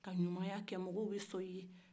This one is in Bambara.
ka ɲumaya kɛmɔgɔw bɛ sɔn i ye